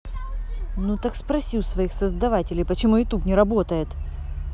ну так спроси у своих создавателей почему youtube не работает